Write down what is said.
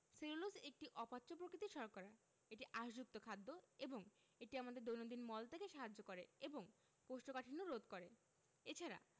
cellulose একটি অপাচ্য প্রকৃতির শর্করা এটি আঁশযুক্ত খাদ্য এবং এটি আমাদের দৈনন্দিন মল ত্যাগে সাহায্য করে এবং কোষ্ঠকাঠিন্য রোধ করে এছাড়া